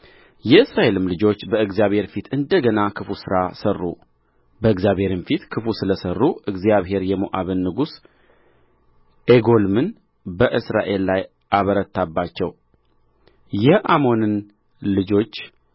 የእስራኤልም ልጆች በእግዚአብሔር ፊት እንደ ገና ክፉ ሥራ ሠሩ በእግዚአብሔርም ፊት ክፉ ስለ ሠሩ እግዚአብሔር የሞዓብን ንጉሥ ዔግሎምን በእስራኤል ላይ አበረታባቸው የአሞንን ልጆችና